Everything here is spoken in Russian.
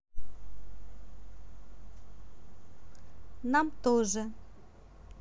нам тоже